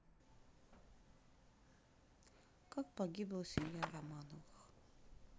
как погибла семья романовых